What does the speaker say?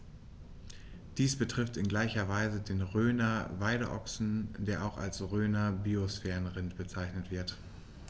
Dies betrifft in gleicher Weise den Rhöner Weideochsen, der auch als Rhöner Biosphärenrind bezeichnet wird.